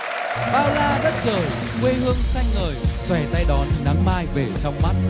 bao la đất trời quê hương xanh ngời xòe tay đón nắng mai về trong mắt